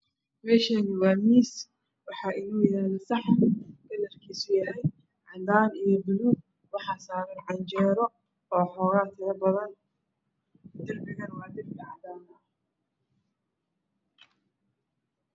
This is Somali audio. Meeshani waa miis waxaa yaalo saxan saxan kalarkiisu yahay cadaan iyo buluug waxaa saran canjeero oo xogaa tiro badan darbigana waa darbi cadaan ah